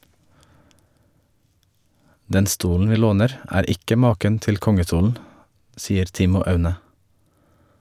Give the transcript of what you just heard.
Den stolen vi låner er ikke maken til kongestolen, sier Timmo Aune.